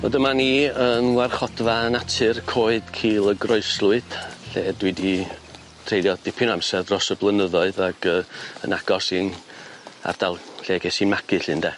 Wel dyma ni yn warchodfa natur coed Cul y Groeslwyd lle dwi 'di treulio dipyn o amser dros y blynyddoedd ag yy yn agos i'n ardal lle ges i magu 'lly ynde?